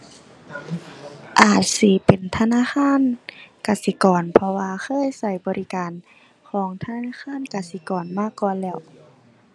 อาจสิเป็นธนาคารกสิกร เพราะว่าเคยใช้บริการของธนาคารกสิกรมาก่อนแล้ว